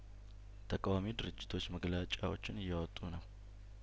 ተቃዋሚ ድርጅቶች መግለጫዎችን እያወጡ ነው